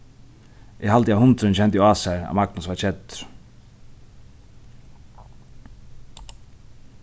eg haldi at hundurin kendi á sær at magnus var keddur